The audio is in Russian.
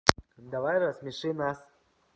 давай рассмеши нас